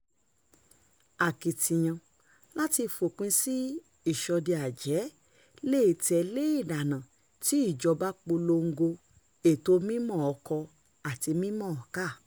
Akitiyan láti f'òpin sí ìṣọdẹ-àjẹ́ lè tẹ̀lé ìlànà tí ìjọba fi polongo ètò mímọ̀ọ-kọ-àti-mímọ̀ọ-kà.